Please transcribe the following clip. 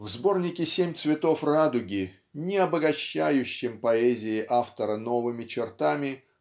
В сборнике "Семь цветов радуги", не обогащающем поэзии автора новыми чертами